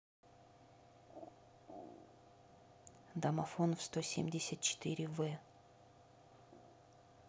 домофон в сто семьдесят четыре в